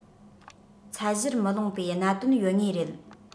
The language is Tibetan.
ཚད གཞིར མི ལོངས པའི གནད དོན ཡོད ངེས རེད